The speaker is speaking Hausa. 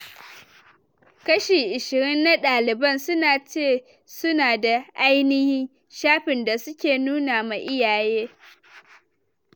Kashi ishirin na daliban sun ce su na da “ainihin” shafin da su ke nuna ma iyaye